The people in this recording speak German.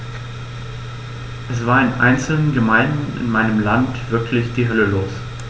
Es war in einzelnen Gemeinden in meinem Land wirklich die Hölle los.